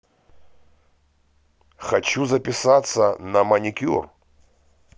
хочу записаться на маникюр